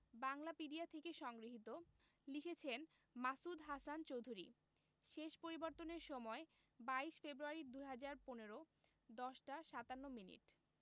বাংলাপিডিয়া থেকে সংগৃহীত লিখেছেন মাসুদ হাসান চৌধুরী শেষ পরিবর্তনের সময় ২২ ফেব্রুয়ারি ২০১৫ ১০ টা ৫৭ মিনিট